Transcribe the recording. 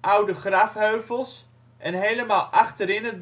oude grafheuvels en helemaal achterin het